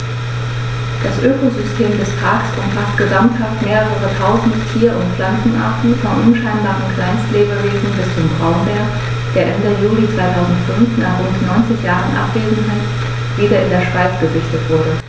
Das Ökosystem des Parks umfasst gesamthaft mehrere tausend Tier- und Pflanzenarten, von unscheinbaren Kleinstlebewesen bis zum Braunbär, der Ende Juli 2005, nach rund 90 Jahren Abwesenheit, wieder in der Schweiz gesichtet wurde.